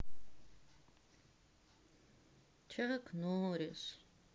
чак норрис